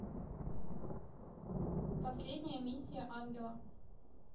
последняя миссия ангела